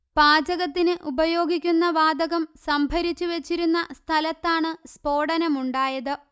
പാചകത്തിന് ഉപയോഗിക്കുന്ന വാതകം സംഭരിച്ചു വച്ചിരുന്ന സ്ഥലത്താണ് സ്ഫോടനമുണ്ടായത്